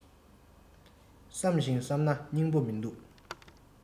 བསམ ཞིང བསམ ན སྙིང པོ མིན འདུག